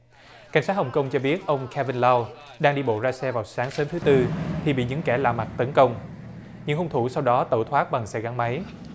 cảnh sát hồng công cho biết ông ke vin lau đang đi bộ ra xe vào sáng sớm thứ tư thì bị những kẻ lạ mặt tấn công nhưng hung thủ sau đó tẩu thoát bằng xe gắn máy